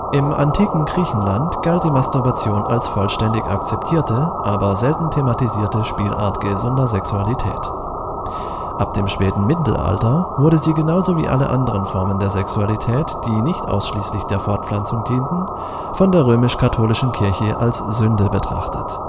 Im antiken Griechenland galt die Masturbation als vollständig akzeptierte (aber selten thematisierte) Spielart gesunder Sexualität. Ab dem späten Mittelalter wurde sie genauso wie alle anderen Formen der Sexualität, die nicht ausschließlich der Fortpflanzung dienten, von der römisch-katholischen Kirche als Sünde betrachtet